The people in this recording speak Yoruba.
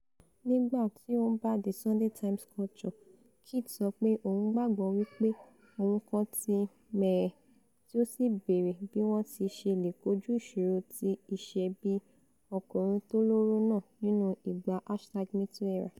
Nígbá tí ó ńbá The Sunday Times Culture, Kit sọ pé òun gbàgbọ́ wí pé 'ohun kan ti mẹ̀hẹ' tí ó sì béèrè bí wọ́n ti ṣe leè kojú ìṣòro ti ìṣebí-ọkùnrin tólóró náà nínú ìgbà #Me Too Erà.